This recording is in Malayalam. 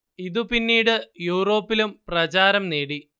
ഇതു പിന്നീടു യൂറോപ്പിലും പ്രചാരം നേടി